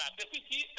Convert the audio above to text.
mooy surveillance